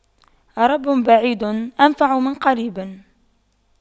رب بعيد أنفع من قريب